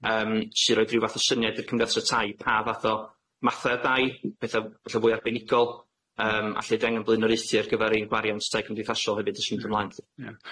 yym sy roid ryw fath o syniad i'r cymdeithasa tai pa fath o matha o dai petha ella fwy arbenigol yym a lle 'da ni angen bleunorieuthu ar gyfer ein gwariant tai cymdeithasol hefyd w'th fynd ymlaen.